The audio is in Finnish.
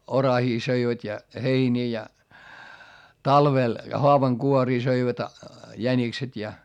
oraita söivät ja heiniä ja talvella haavankuoria söivät jänikset ja